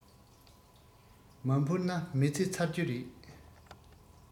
མ འཕུར ན མི ཚེ ཚར རྒྱུ རེད